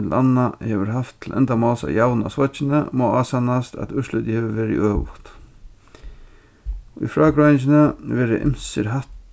millum annað hevur havt til endamáls at javna sveiggini má ásannast at úrslitið hevur verið øvugt í frágreiðingini verða ymsir